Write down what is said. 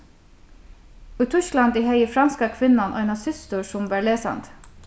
í týsklandi hevði franska kvinnan eina systur sum var lesandi